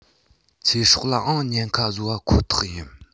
ཚེ སྲོག ལའང ཉེན ཁ བཟོ བ ཁོ ཐག ཡིན